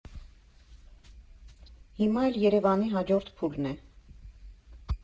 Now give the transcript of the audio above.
Հիմա էլ Երևանի հաջորդ փուլն է.